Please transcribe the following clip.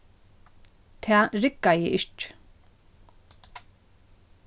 tað riggaði ikki